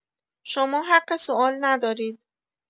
شما حق سوال ندارید.